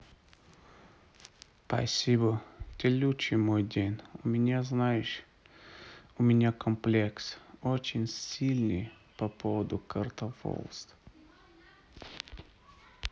спасибо ты лучший мой день у меня знаешь у меня комплекс очень сильный по поводу картавости